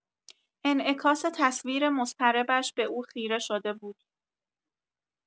انعکاس تصویر مضطربش به او خیره شده بود.